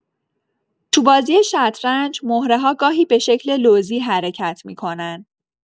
تو بازی شطرنج، مهره‌ها گاهی به شکل لوزی حرکت می‌کنن.